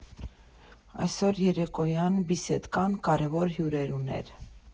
Այսօր երեկոյան «Բիսեդկան» կարևոր հյուրեր ուներ։